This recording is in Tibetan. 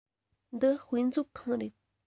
འདི དཔེ མཛོད ཁང རེད